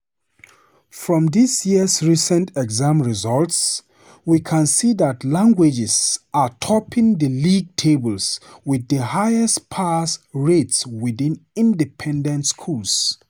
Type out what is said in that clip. From this year's recent exam results, we can see that languages are topping the league tables with the highest pass rates within independent schools.